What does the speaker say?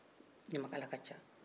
ɲamakala ka ca